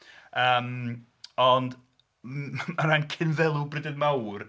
Yym ond o ran Cynddelw Brydydd Mawr